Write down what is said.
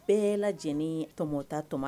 Bɛɛ la lajɛlen tɔmɔ ta tɔmɔma